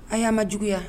A y'a ma juguya